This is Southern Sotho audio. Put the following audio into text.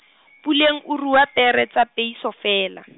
Puleng o rua pere tsa peiso feela.